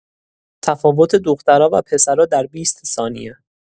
تفاوت دخترا و پسرا در بیست ثانیه